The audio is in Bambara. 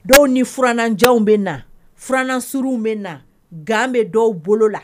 Dɔw ni furananjanw bɛ na furan suruw bɛ na gan bɛ dɔw bolo la